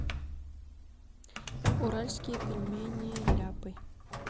уральские пельмени ляпы